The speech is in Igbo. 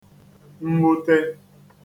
nnwutē